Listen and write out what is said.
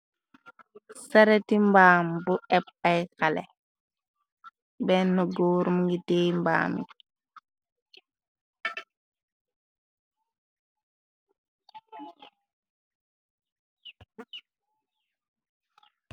Sarati mbaam bu épp ay xalé bénn góor mu ngitéeye mbaam bi.